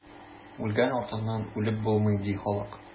Үлгән артыннан үлеп булмый, ди халык.